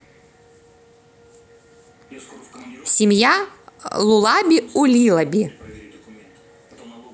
семья lullaby уиллоби